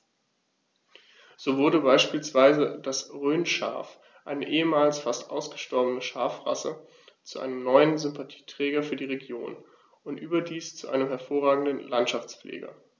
So wurde beispielsweise das Rhönschaf, eine ehemals fast ausgestorbene Schafrasse, zu einem neuen Sympathieträger für die Region – und überdies zu einem hervorragenden Landschaftspfleger.